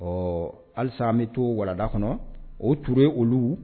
Ɔ halisa an bɛ to warada kɔnɔ o t ye olu